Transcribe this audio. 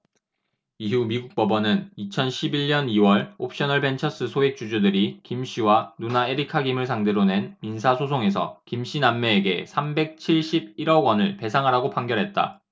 이후 미국 법원은 이천 십 일 년 이 월 옵셔널벤처스 소액주주들이 김씨와 누나 에리카 김을 상대로 낸 민사소송에서 김씨 남매에게 삼백 칠십 일 억원을 배상하라고 판결했다